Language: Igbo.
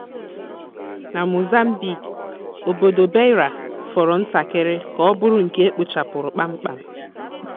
Na Mozambique, obodo Beira fọrọ ntakịrị ka ọ bụrụ nke ekpochapụrụ kpamkpam.